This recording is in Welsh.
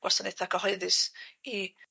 gwasanaetha' cyhoeddus i